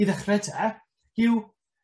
i ddechre 'te, yw